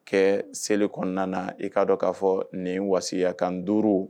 Kɛ seli kɔnɔna na, i ka dɔn k'a fɔ nin wayasikan 5